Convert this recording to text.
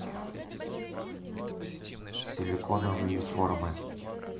силиконовые формы